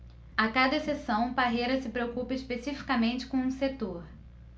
a cada sessão parreira se preocupa especificamente com um setor